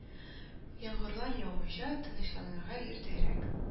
Яңгырлар яумыйча, тынычланырга иртәрәк